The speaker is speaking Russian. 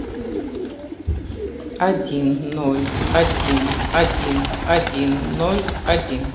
один ноль один один один ноль один